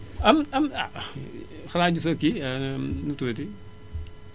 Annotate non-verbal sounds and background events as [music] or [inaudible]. am am ah [hesitation] xanaa gisoo kii [hesitation] nu mu tuddati